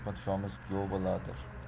podshomiz kuyov bo'ladir